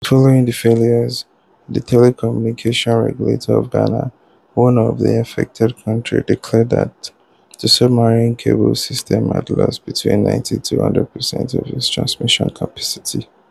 Following the failures, the telecommunications regulator of Ghana, one of the affected countries, declared that the submarine cable system had lost between 90 and 100 percent of its transmission capacity.